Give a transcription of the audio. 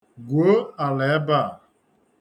Gwuo ala ebe a.